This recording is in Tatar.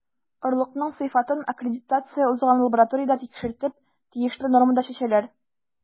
Орлыкның сыйфатын аккредитация узган лабораториядә тикшертеп, тиешле нормада чәчәләр.